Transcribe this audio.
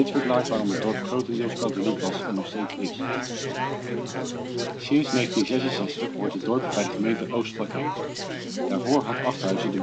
verklaart waarom het dorp grotendeels katholiek was en nog steeds is. Sinds 1966 hoort het dorp bij de gemeente Oostflakkee. Daarvoor had Achthuizen de